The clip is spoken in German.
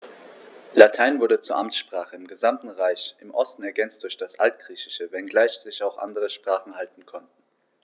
Latein wurde zur Amtssprache im gesamten Reich (im Osten ergänzt durch das Altgriechische), wenngleich sich auch andere Sprachen halten konnten.